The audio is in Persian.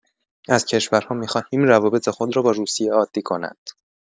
از کشورها می‌خواهیم روابط خود را با روسیه عادی کنند.